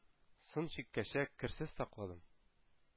Соң чиккәчә керсез сакладым.